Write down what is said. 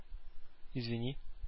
Извини